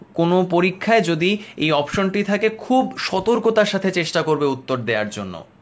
কোনো পরীক্ষায় যদি এই অপশনটি থাকে খুব সতর্কতার সাথে চেষ্টা করব উত্তর দেয়ার জন্য